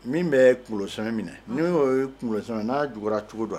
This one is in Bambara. Min bɛ kunkoloso minɛ n y'o kunkoloso n'a jura cogo dɔn